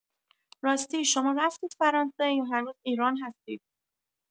راستی شما رفتید فرانسه یا هنوز ایران هستید؟